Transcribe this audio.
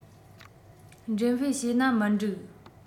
འགྲེམས སྤེལ བྱས ན མི འགྲིག